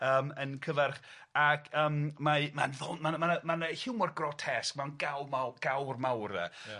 Yym yn cyfarch ac yym mae mae'n ddon- ma' 'na ma' 'na ma' 'na hiwmor grotesque, ma'n gawl maw- gawr mawr e. Ia.